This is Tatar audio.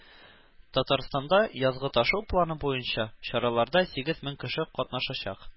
Татарстанда "Язгы ташу" планы буенча чараларда сигез мең кеше катнашачак